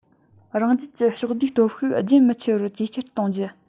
རང རྒྱལ གྱི ཕྱོགས བསྡུས སྟོབས ཤུགས རྒྱུན མི འཆད པར ཇེ ཆེར གཏོང རྒྱུ